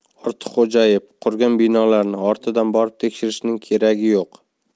ortiqxo'jayev qurgan binolarni ortidan borib tekshirishning keragi yo'q